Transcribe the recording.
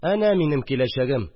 Әнә минем киләчәгем